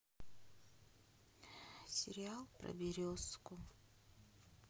сериал про березку